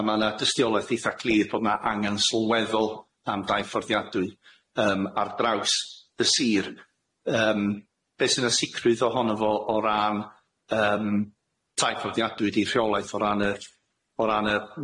a ma' na dystiolaeth itha clir bo' ma' angan sylweddol am dai fforddiadwy yym ar draws y Sir yym be' sy'n y sicrwydd ohono fo o ran yym tai fforddiadwy di rheolaeth o ran y o ran y